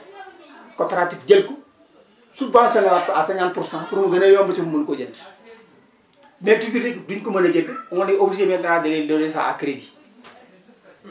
coopérative jël ko subventionné waat ko à 50 pour cent pour mu gën a yomb ci mu mën koo jëndmais tu te dis que du ñu ko mën a jënd on est obligé maintenant de les donner ça à crédit